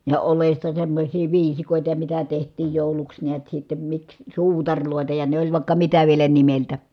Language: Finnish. ja oljesta semmoisia viisikoita ja mitä tehtiin jouluksi näet sitten miksi suutareita ja ne oli vaikka mitä vielä nimeltä